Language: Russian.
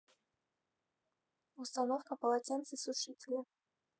установка полотенцесушителя